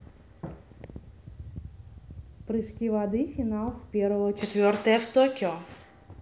прыжки воды финал с первого четвертая в токио